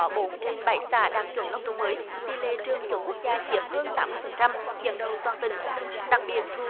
bốn trên bảy xã đạt chuẩn nông thôn mới tỷ lệ trường chuẩn quốc gia chiếm hơn tám mươi phần trăm dẫn đầu toàn tỉnh đặc biệt thu